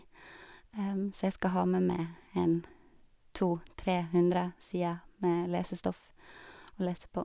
Så jeg skal ha med meg en to tre hundre sider med lesestoff å lese på.